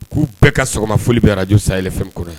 K'u bɛɛ ka sɔgɔma foli bɛ radio sahel FM kɔnɔ yan.